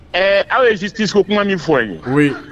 Ɛ aw ye si tɛso kuma min fɔ' ye